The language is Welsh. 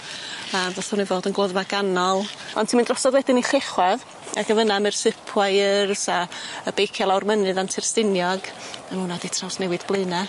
a ddothon nw i fod yn gloddfa ganol ond ti myn' drosodd wedyn i Llechwedd ag yn fynna ma'r sipwires a y beicia' lawr mynydd Antur Stiniog a ma' wnna 'di trawsnewid Blaena'.